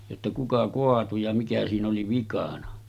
jotta kuka kaatui ja mikä siinä oli vikana